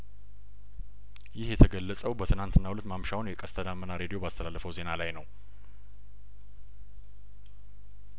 ይህ የተገለጸው በትናትናው እለት ማምሻውን የቀስተ ዳመና ሬድዮ ባስተላለፈው ዜና ላይ ነው